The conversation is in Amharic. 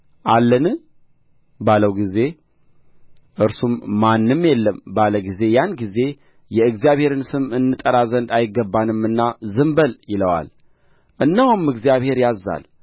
አለን ባለው ጊዜ እርሱም ማንም የለም ባለ ጊዜ ያን ጊዜ የእግዚአብሔርን ስም እንጠራ ዘንድ አይገባንምና ዝም በል ይለዋል እነሆም እግዚአብሔር ያዝዛል